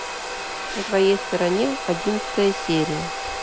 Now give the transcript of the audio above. на твоей стороне одиннадцатая серия